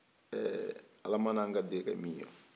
aiih ala mana an garijigɛ kɛ min ye